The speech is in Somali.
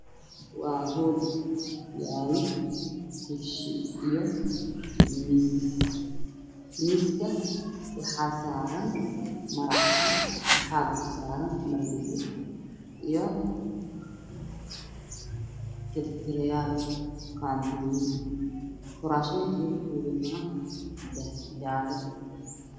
Waa hool yalo kursi iyo miisas miiska waxaa saran maro cadan waxaa dul dulsaaran maro gaduud iyo tirtira yaal qandooyin kurasamanka midabkodu waa jale